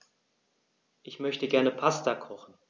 Ich möchte gerne Pasta kochen.